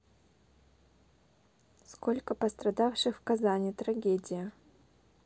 сколько пострадавших в казани трагедия